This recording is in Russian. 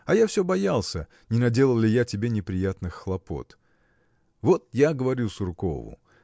а я все боялся, не наделал ли я тебе неприятных хлопот. Вот я говорю Суркову